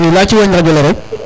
i yaci wañ rajo le rek